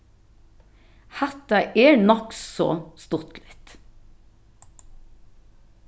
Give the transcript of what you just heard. hatta er nokk so stuttligt